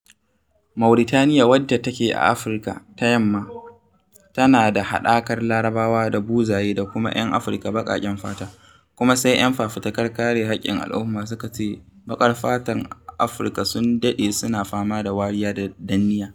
Mauritaniya wadda take a Afirka ta yamma tana da haɗakar Larabawa da Buzaye da kuma 'yan Afrika baƙaƙen fata, kuma sai 'yan fafutukar kare haƙƙin al'umma suka ce baƙar fatan Afirka sun daɗe suna fama da wariya da danniya.